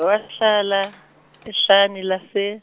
-hlala, ehlane lase.